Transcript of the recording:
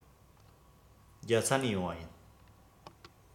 རྒྱ ཚ ནས ཡོང བ ཡིན